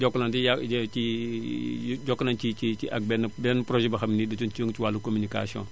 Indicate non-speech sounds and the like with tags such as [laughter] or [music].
Jokalante yà ci [hesitation] jokk nañu ci ci ci ak benn beneen projet boo xam ne dafay yëngu ci wàllu communication